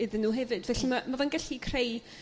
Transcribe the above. iddyn nhw hefyd felly ma' ma' fe'n gallu creu...